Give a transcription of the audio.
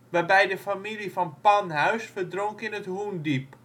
waarbij de familie Van Panhuys verdronk in het Hoendiep